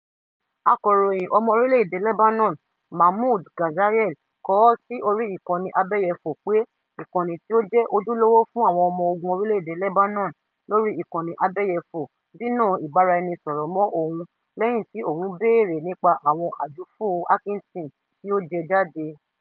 Akọ̀ròyìn ọmọ orílẹ̀ èdè Lebanon Mahmoud Ghazayel kọọ́ sí orí ìkànnì abẹ́yẹfò pé ìkànnì tí ó jẹ́ ojúlówó fún Àwọn Ọmọ Ogun orílè-èdè Lebanon lórí ìkànnì abẹ́yẹfò dínà ìbáraẹnisọ̀rọ̀ mọ́ òun lẹ́yìn tí òun bèèrè nípa àwọn àjúfù Hacking Team tí ó jẹ jáde.